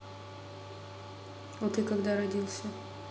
а ты когда родился